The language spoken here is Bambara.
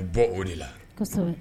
A bɔ o de la